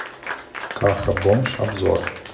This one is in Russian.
каха бомж обзор